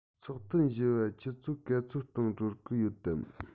ཚོགས ཐུན བཞི པ ཆུ ཚོད ག ཚོད སྟེང གྲོལ གི ཡོད དམ